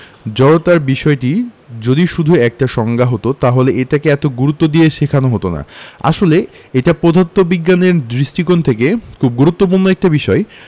জড়তার বিষয়টি যদি শুধু একটা সংজ্ঞা হতো তাহলে এটাকে এত গুরুত্ব দিয়ে শেখানো হতো না আসলে এটা পদার্থবিজ্ঞানের দৃষ্টিকোণ থেকে খুব গুরুত্বপূর্ণ একটা বিষয়